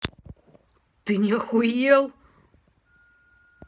ты не охуел